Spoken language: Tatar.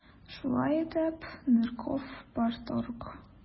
Шулай итеп, Нырков - парторг.